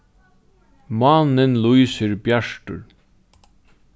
mánin lýsir bjartur